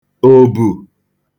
òbù